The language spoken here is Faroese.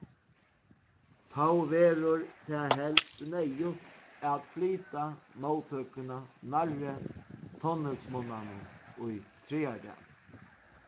tó verður tað helst neyðugt at flyta móttøkuna nærri tunnilsmunnanum í traðardali